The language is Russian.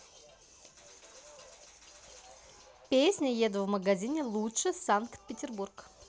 песня еду в магазине лучше санкт петербург